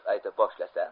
diling yayrab ketadi